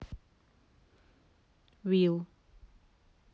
will